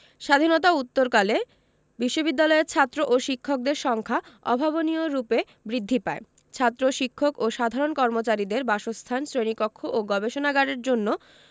স্বাধীনতা উত্তরকালে বিশ্ববিদ্যালয়ের ছাত্র ও শিক্ষকদের সংখ্যা অভাবনীয়রূপে বৃদ্ধি পায় ছাত্র শিক্ষক ও সাধারণ কর্মচারীদের বাসস্থান শ্রেণীকক্ষ ও গবেষণাগারের জন্য